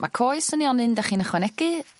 Ma' coes y nionyn 'dach chi'n ychwanegu